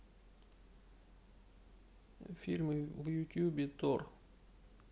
фильм в ютубе тор